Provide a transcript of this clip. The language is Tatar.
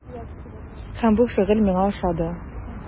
Һәм бу шөгыль миңа ошады.